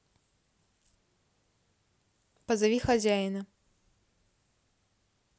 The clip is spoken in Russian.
позови хозяина